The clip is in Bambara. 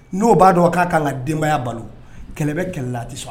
N'o b'a dɔn a k'a ka kan ka denbaya balo kɛlɛ bɛ kɛlɛlati sɔn